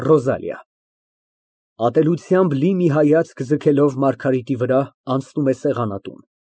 ՌՈԶԱԼԻԱ ֊ (Ատելությամբ լի մի հայացք ձգելով Մարգարիտի վրա, անցնում է սեղանատուն)։